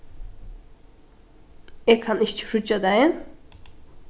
eg kann ikki fríggjadagin